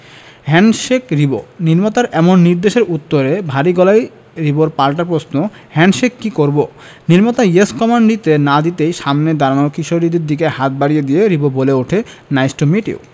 handshake Ribo নির্মাতার এমন নির্দেশের উত্তরে ভারী গলায় রিবোর পাল্টা প্রশ্ন হ্যান্ডশেক কি করবো নির্মাতা ইয়েস কমান্ড দিতে না দিতেই সামনের দাঁড়ানো কিশোরের দিকে হাত বাড়িয়ে দিয়ে রিবো বলে উঠে নাইস টু মিট ইউ